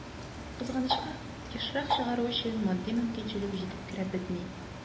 Кызганычка, ешрак чыгару өчен матди мөмкинчелек җитенкерәп бетми.